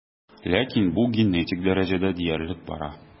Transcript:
Ләкин бу генетик дәрәҗәдә диярлек бара.